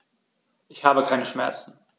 Ich habe keine Schmerzen.